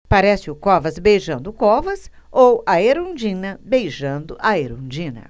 parece o covas beijando o covas ou a erundina beijando a erundina